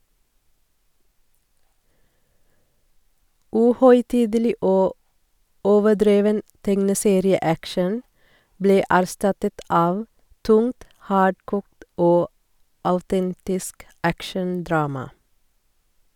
Uhøytidelig og overdreven tegneserieaction ble erstattet av tungt, hardkokt og autentisk action-drama.